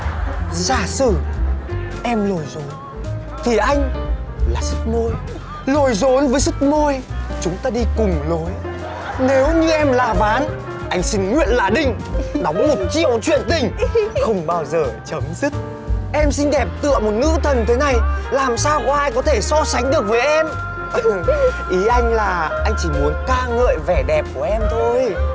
giả sử em lồi rốn thì anh là sứt môi lồi rốn với sức môi chúng ta đi cùng lối nếu như em là ván anh xin nguyện là đinh đóng một triệu chuyện tình không bao giờ chấm dứt em xinh đẹp tựa một nữ thần thế này làm sao có ai có thể so sánh được với em ờ hừm ý anh là anh chỉ muốn ca ngợi vẻ đẹp của em thôi